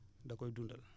da koy dundal